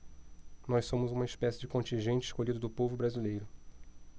nós somos uma espécie de contingente escolhido do povo brasileiro